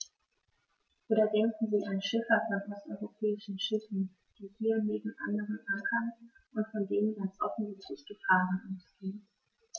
Oder denken Sie an Schiffer von osteuropäischen Schiffen, die hier neben anderen ankern und von denen ganz offensichtlich Gefahren ausgehen.